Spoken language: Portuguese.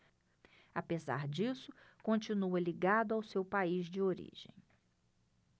apesar disso continua ligado ao seu país de origem